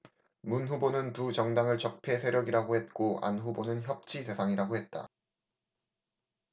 문 후보는 두 정당을 적폐 세력이라고 했고 안 후보는 협치 대상이라고 했다